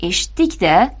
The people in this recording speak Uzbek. eshitdik da